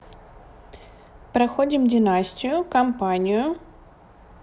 проходим династию компанию